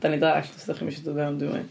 Da ni'n dallt, os dach chi'm isio dod mewn dim mwy.